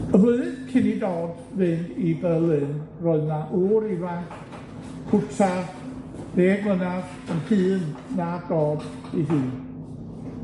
Y flwyddyn cyn i Dodd fynd i Berlin, roedd 'na ŵr ifanc, cwta, ddeg mlynadd yn hŷn na Dodd 'i hun